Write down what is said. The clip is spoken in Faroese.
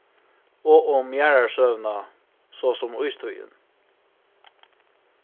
og um jarðarsøguna so sum ístíðin